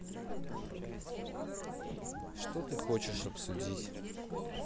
что ты хочешь обсудить